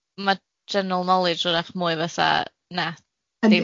dwi'n meddwl ma' general knowledge 'w'rach mwy fatha na